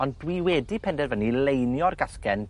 ond dwi wedi penderfynu leinio'r gasglen